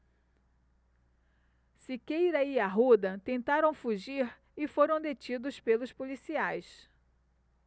siqueira e arruda tentaram fugir e foram detidos pelos policiais